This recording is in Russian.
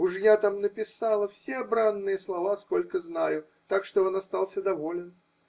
Уж я там написала все бранные слова, сколько знаю, так что он остался доволен.